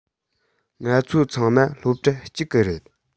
ང ཚོ ཚང མ སློབ གྲྭ གཅིག གི རེད